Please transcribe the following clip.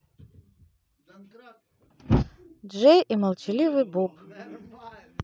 джей и молчаливый боб